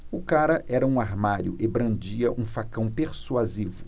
o cara era um armário e brandia um facão persuasivo